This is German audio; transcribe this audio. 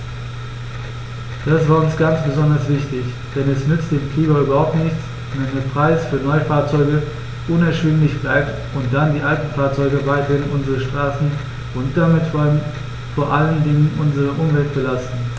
Das war uns ganz besonders wichtig, denn es nützt dem Klima überhaupt nichts, wenn der Preis für Neufahrzeuge unerschwinglich bleibt und dann die alten Fahrzeuge weiterhin unsere Straßen und damit vor allen Dingen unsere Umwelt belasten.